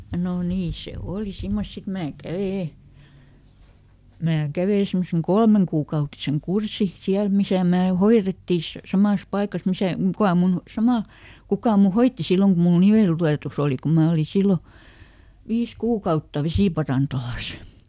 no niin se oli semmoista sitten minä kävin minä kävin semmoisen kolmekuukautisen kurssin siellä missä minä hoidettiin - samassa paikassa missä kuka minun samalla kuka minun hoiti silloin kun minulla niveltulehdus oli kun minä olin silloin viisi kuukautta vesiparantolassa